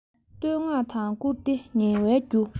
བསྟོད བསྔགས དང བཀུར བསྟི ངལ བའི རྒྱུ